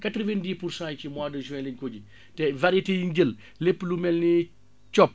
quatre vingt dix pour cent yi ci mois de juin la ñu ko ji te variétés yi mu jël lépp lu mel ni cob